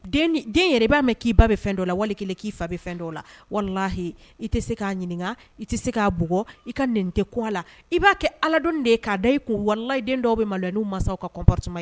Den yɛrɛ b'a mɛn k'i ba bɛ fɛ la wali k'i fa bɛ fɛn dɔ la walahi i tɛ se k'a ɲininka i tɛ se k'augɔgɔɔ i ka nin tɛ kɔ a la i b'a kɛ aladɔn de ye k'a da i kun walala i den dɔw bɛ ma la n'u mansa aw ka kɔn ye